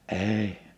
ei